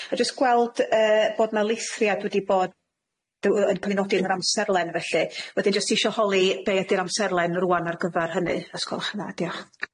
Ga i jyst gweld yy bod 'na lithriad wedi bod- wedi cael ei nodi yn yr amserlen felly. Wedyn jyst isio holi be' ydi'r amserlen rŵan ar gyfar hynny os gwelwch yn dda. Diolch.